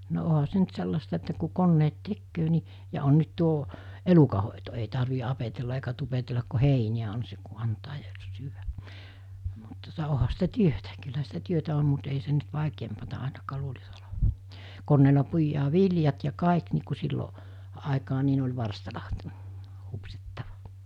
no onhan se nyt sellaista että kun koneet tekee niin ja on nyt tuo elukanhoito ei tarvitse apetella eikä tupetella kun heiniä on sen kun antaa ja syödä mutta tuota onhan sitä työtä kyllähän sitä työtä on mutta ei sen nyt vaikeampaa ainakaan luulisi olevan koneella puidaan viljat ja kaikki niin kuin silloin aikaan niin ne oli varstalla hupsittava